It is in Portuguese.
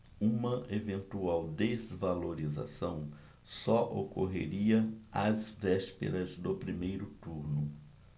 uma eventual desvalorização só ocorreria às vésperas do primeiro turno